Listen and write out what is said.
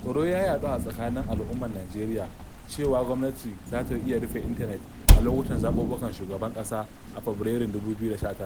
Tsoro ya yaɗu a tsakanin al'ummar Najeriya cewa gwamnati za ta iya rufe intanet a lokutan zaɓuɓɓukan shugaban ƙasa a Fabarairun 2019.